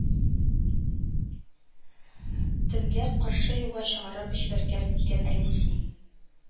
Төнгә каршы юлга чыгарып җибәргән диген әле син